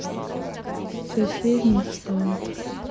соседний сад